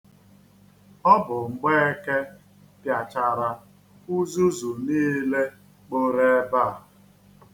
Ọ bụ Mgbeeke pịachara uzuzu niile kporo ebe a.